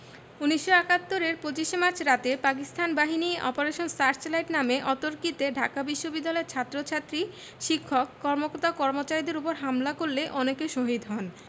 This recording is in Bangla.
১৯৭১ এর ২৫ মার্চ রাতে পাকিস্তান বাহিনী অপারেশন সার্চলাইট নামে অতর্কিতে ঢাকা বিশ্ববিদ্যালয়ের ছাত্রছাত্রী শিক্ষক কর্মকর্তা কর্মচারীদের উপর হামলা করলে অনেকে শহীদ হন